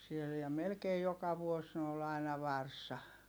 siellä ja melkein joka vuosi niin oli aina varsa